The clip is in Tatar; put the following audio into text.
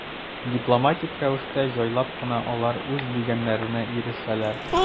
Дипломатик рәвештә, җайлап кына алар үз дигәннәренә ирешәләр.